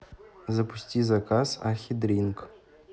запусти заказ ахи дринк